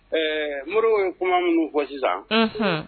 Ɛɛ mori ye kuma minnu fɔ sisan